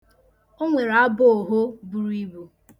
O nwere abọ ogho buru ibu.